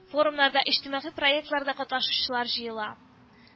Форумнарда, иҗтимагый проектларда катнашучылар җыела